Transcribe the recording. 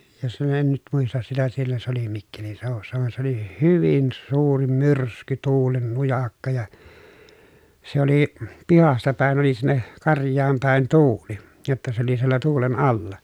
ja se en nyt muista sitä siellä se oli mikkelin seudussa vaan se oli hyvin suuri myrsky tuulen nujakka ja se oli pihasta päin oli sinne karjaan päin tuuli jotta se oli siellä tuulen alla